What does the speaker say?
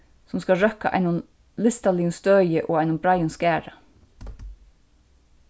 sum skal røkka einum listaligum støði og einum breiðum skara